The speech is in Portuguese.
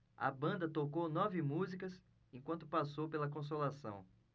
a banda tocou nove músicas enquanto passou pela consolação